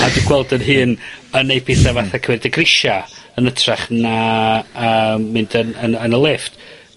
A dwi gweld 'yn hun yn neud petha fatha cymryd y grisia, yn ytrach na yy mynd yn yn yny lifft.